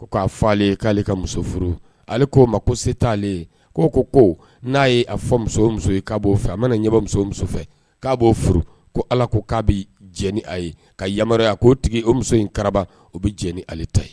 Ko k'a fɔale k'ale ka muso furu ale k'o ma ko se taaale ko ko ko n'a ye a fɔ muso muso ye k''o fɛ a mana ɲɛ muso muso fɛ k'a b'o furu ko ala ko k'a bɛ jeni a ye ka yamaruyaya ko tigi o muso in kaba o bɛ jeni ale ta ye